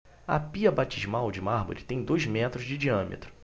a pia batismal de mármore tem dois metros de diâmetro